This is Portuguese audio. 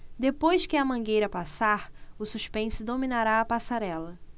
depois que a mangueira passar o suspense dominará a passarela